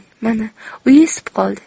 mana uyi isib qoldi